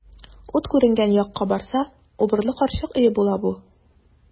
Ут күренгән якка барса, убырлы карчык өе була бу.